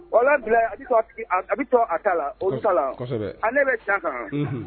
O la bila bɛ a bɛ to a kala o bɛ ta ale bɛ ca kan